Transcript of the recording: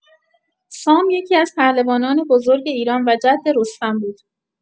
سام یکی‌از پهلوانان بزرگ ایران و جد رستم بود.